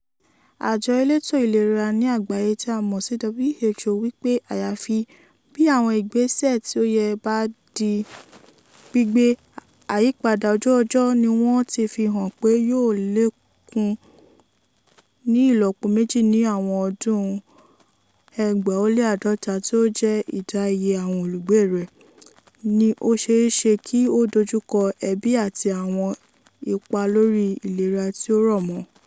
Àjọ elétò ìlera ní àgbáyé (WHO) wí pé àyàfi bí àwọn ìgbésẹ̀ tí ó yẹ bá di gbígbé, àyípadà ojú ọjọ́ ni wọn ti fi hàn pé yóò lékún ní ìlọ́po méjì ní àwọn ọdún 2050 tí ó jẹ́ ìdá iye àwọn olùgbé rẹ̀ ni ó ṣeé ṣe kí ó dojú kọ ebi àti àwọn ipa lórí ìlera tí ó rọ̀ mọ.